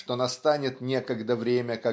что настанет некогда время